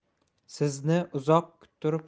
sizni uzoq kuttirib